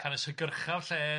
canys y gyrchaf lle